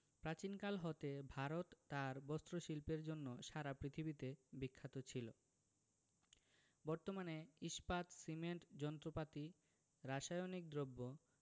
প্রাচীনকাল হতে ভারত তার বস্ত্রশিল্পের জন্য সারা পৃথিবীতে বিখ্যাত ছিল বর্তমানে ইস্পাত সিমেন্ট যন্ত্রপাতি রাসায়নিক দ্রব্য